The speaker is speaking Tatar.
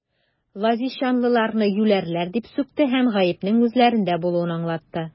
Лозищанлыларны юләрләр дип сүкте һәм гаепнең үзләрендә булуын аңлатты.